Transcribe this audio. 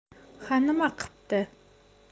ha nima qipti